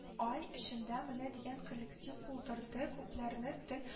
Ай эчендә менә дигән коллектив булдырды, күпләрне тел